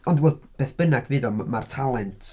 Ond wel beth bynnag fydd o, mae'r talent...